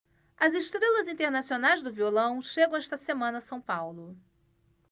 as estrelas internacionais do violão chegam esta semana a são paulo